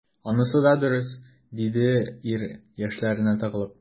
Анысы да дөрес,— диде ир, яшьләренә тыгылып.